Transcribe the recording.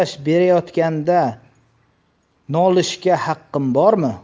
chidash berayotganda nolishga haqqim bormi